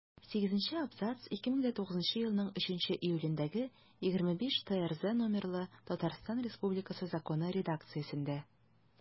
Сигезенче абзац 2009 елның 3 июлендәге 25-ТРЗ номерлы Татарстан Республикасы Законы редакциясендә.